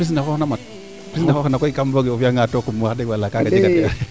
nda pis ne xox na mat pis ne xox na mat kam fooge o fiya nga tookum wax den fa yala kaga jega tee